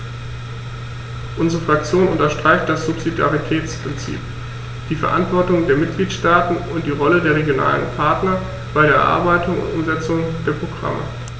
Unsere Fraktion unterstreicht das Subsidiaritätsprinzip, die Verantwortung der Mitgliedstaaten und die Rolle der regionalen Partner bei der Erarbeitung und Umsetzung der Programme.